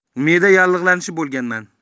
me'da yallig'lanishi bo'lganman